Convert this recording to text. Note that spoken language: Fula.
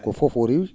ko fof ngu rewi